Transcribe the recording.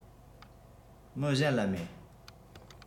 མི གཞན ལ མེད